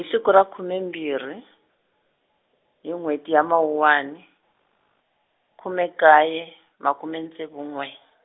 i siku ra khume mbirhi, hi n'wheti ya Mawuwani, khume nkaye, makume ntsevu n'we.